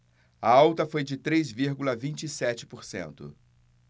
a alta foi de três vírgula vinte e sete por cento